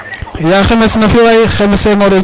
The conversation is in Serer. Ya Khemesse nafio waay Khemesse Senghor